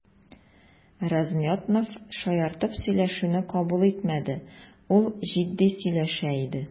Размётнов шаяртып сөйләшүне кабул итмәде, ул җитди сөйләшә иде.